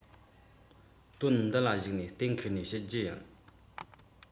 དོན འདི ལ གཞིགས ནས གཏན འཁེལ ནས བཤད རྒྱུ ཡིན